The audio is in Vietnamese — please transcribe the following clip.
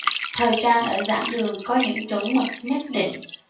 thời trang ở giảng đường có những chuẩn mực nhất định